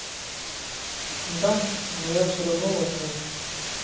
да но я все равно волнуюсь